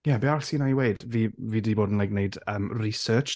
Ie, be arall sy'n i weud? Fi... fi 'di bod yn like gwneud research.